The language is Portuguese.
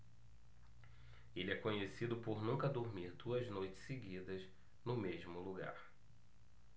ele é conhecido por nunca dormir duas noites seguidas no mesmo lugar